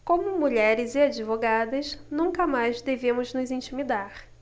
como mulheres e advogadas nunca mais devemos nos intimidar